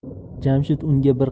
jamshid unga bir